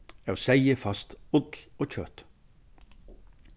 av seyði fæst ull og kjøt